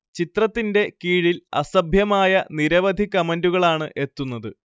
ചിത്രത്തിന്റെ കീഴിൽ അസഭ്യമായ നിരവധി കമന്റുകളാണ് എ്ത്തുന്നത്